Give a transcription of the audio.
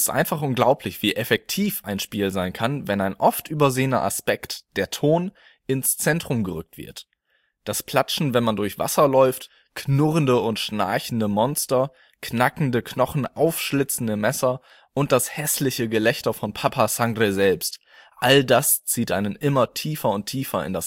einfach unglaublich, wie effektiv ein Spiel sein kann, wenn ein oft übersehener Aspekt - der Ton - ins Zentrum gerückt wird. Das Platschen, wenn man durch Wasser läuft, knurrende und schnarchende Monster, knackende Knochen, aufschlitzende Messer und das hässliche Gelächter von Papa Sangre selbst, all das zieht einen immer tiefer und tiefer in